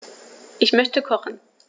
Ich möchte kochen.